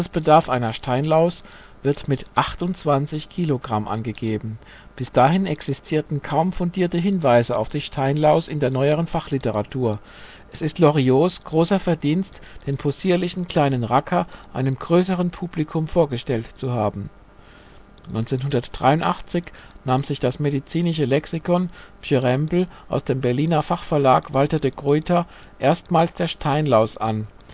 Der Tagesbedarf einer Steinlaus wird mit 28 Kilogramm angegeben. Bis dahin existierten kaum fundierte Hinweise auf die Steinlaus in der Fachliteratur. Es ist Loriots großer Verdienst, den " possierlichen kleinen Racker " einem größeren Publikum vorgestellt zu haben. 1983 nahm sich das medizinische Lexikon Pschyrembel aus dem Berliner Fachverlag Walter de Gruyter erstmals der Steinlaus an. Der